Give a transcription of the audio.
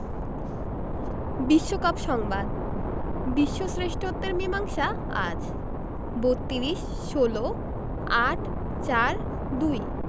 বিশ্বকাপ সংবাদ বিশ্ব শ্রেষ্ঠত্বের মীমাংসা আজ ৩২ ১৬ ৮ ৪ ২